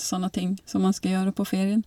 Sånne ting som man skal gjøre på ferien.